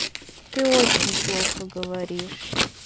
ты очень плохо говоришь